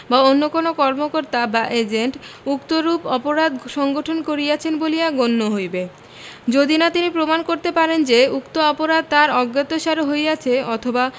বা অন্য কোন কর্মকর্তা বা এজেন্ট উক্তরূপ অপরাধ সংঘটন করিয়াছেন বলিয়া গণ্য হইবে যদি না তিনি প্রমাণ করিতে পারেন যে উক্ত অপরাধ তাহার অজ্ঞাতসারে হইয়াছে অথবা